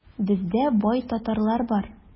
Бездә бай татарлар бар.